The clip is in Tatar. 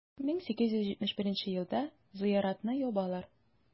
1871 елда зыяратны ябалар.